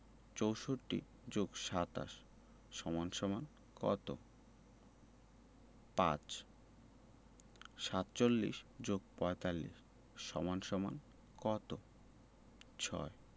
৬৪ + ২৭ = কত ৫ ৪৭ + ৪৫ = কত ৬